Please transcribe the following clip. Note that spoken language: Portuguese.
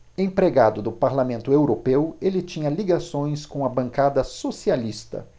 empregado do parlamento europeu ele tinha ligações com a bancada socialista